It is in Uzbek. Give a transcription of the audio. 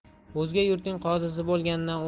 o'zga yurtning qozisi bo'lgandan